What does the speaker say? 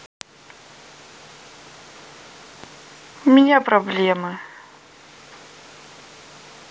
у меня проблемы